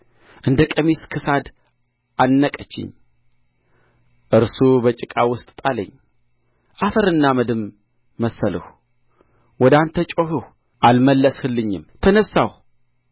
እንደ ቀሚስ ክሳድ አነቀችኝ እርሱ በጭቃ ውስጥ ጣለኝ አፈርና አመድም መሰልሁ ወደ አንተ ጮኽሁ አልመለስህልኝም ተነሣሁ